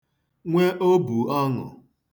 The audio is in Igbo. nwe obùoṅụ̀